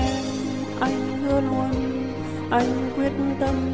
anh hứa luôn anh quyết tâm